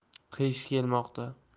qish kelmoqda